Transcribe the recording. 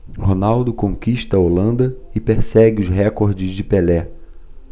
ronaldo conquista a holanda e persegue os recordes de pelé